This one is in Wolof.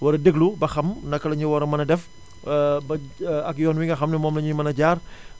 war a déglu ba xam naka la ñuy war a mën a def ba ak yoon wi nga xam ne moom la ñuy mën a jaar